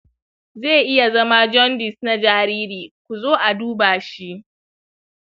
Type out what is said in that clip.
zai iya zama jaundice na jariri; ku zo a duba shi.